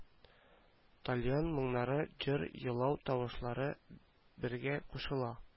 Тальян моңнары җыр елау тавышлары бергә кушыла